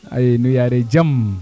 i nu yaare jam